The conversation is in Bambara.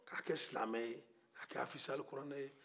ka silamɛ ye ka kɛ hafizu alikoranɛ ye